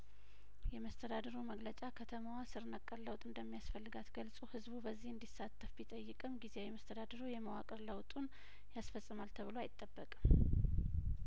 የመስተዳድሩ መግለጫ ከተማዋ ስር ነቀል ለውጥ እንደሚያስፈልጋት ገልጾ ህዝቡ በዚህ እንዲሳተፍ ቢጠይቅም ጊዜያዊ መስተዳድሩ የመዋቅር ለውጡን ያስፈጽማል ተብሎ አይጠበቅም